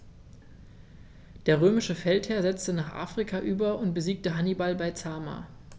Der römische Feldherr setzte nach Afrika über und besiegte Hannibal bei Zama.